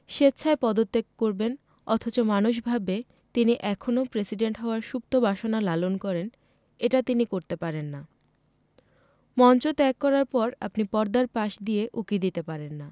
স্বেচ্ছায় পদত্যাগ করবেন অথচ মানুষ ভাববে তিনি এখনো প্রেসিডেন্ট হওয়ার সুপ্ত বাসনা লালন করেন এটা তিনি করতে পারেন না মঞ্চ ত্যাগ করার পর আপনি পর্দার পাশ দিয়ে উঁকি দিতে পারেন না